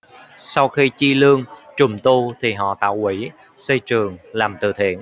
sau khi chi lương trùng tu thì họ tạo quỹ xây trường làm từ thiện